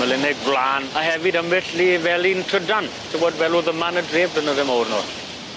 Melyne gwlan a hefyd ambell i felin trydan t'wod fel o'dd yma yn y dref blynydde mowr nôl.